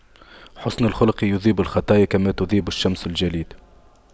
حُسْنُ الخلق يذيب الخطايا كما تذيب الشمس الجليد